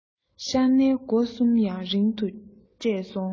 ཤྭ གནའ དགོ གསུམ ཡང རིང དུ བསྐྲད སོང